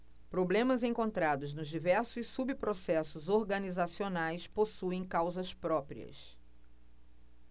problemas encontrados nos diversos subprocessos organizacionais possuem causas próprias